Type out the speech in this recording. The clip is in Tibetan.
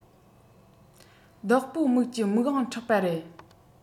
བདག པོ མིག གྱི མིག དབང འཕྲོག པ རེད